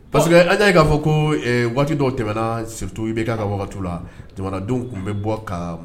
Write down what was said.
Parce que y k'a fɔ ko waati dɔw tɛmɛna bɛ ka la jamanadenw tun bɛ bɔ kalan